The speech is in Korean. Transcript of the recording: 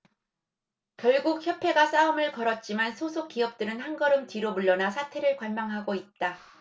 결국 협회가 싸움을 걸었지만 소속기업들은 한걸음 뒤로 물러나 사태를 관망하고 있다